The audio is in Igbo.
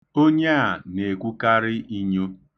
Onye a na-ekwukarị inyo.